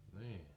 niin